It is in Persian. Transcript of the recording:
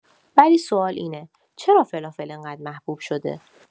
ولی سوال اینه: چرا فلافل این‌قدر محبوب شده؟